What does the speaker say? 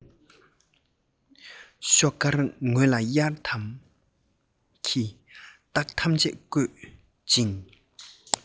ཤོག དཀར ངོས ལ གཡར དམ གྱི རྟགས ཐམ བཀོད ཅིང